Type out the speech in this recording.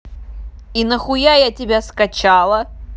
и нахуя я тебя скачала